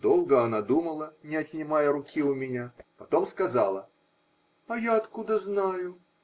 Долго она думала, не отнимая руки у меня, потом сказала: -- А я откуда знаю?